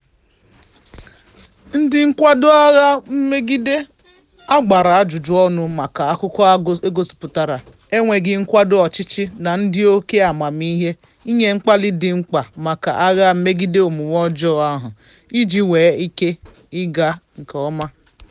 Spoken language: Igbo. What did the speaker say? Ndị nkwado agha mmegide a gbara ajụjụ ọnụ maka akụkọ a gosipụtara enweghị nkwado ọchịchị na ndị oke amamiihe ịnye mkpali dị mkpa maka agha megide omume ọjọọ ahụ iji nwee ike ịga nke ọma.